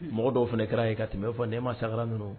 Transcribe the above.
Mɔgɔ dɔw fana kɛra yen ka tɛmɛ bɛ fɔ nɛ ma sa sagara ninnu